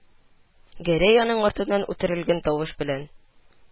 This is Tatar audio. Гәрәй аның артыннан үтерелгән тавыш белән: